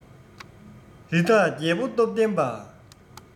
རི དྭགས རྒྱལ པོ སྟོབས ལྡན པ